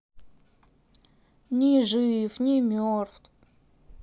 ни жив ни мертв